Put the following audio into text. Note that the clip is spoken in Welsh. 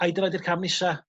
ai dyma 'di'r cam nesa?